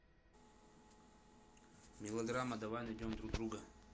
мелодрама давай найдем друг друга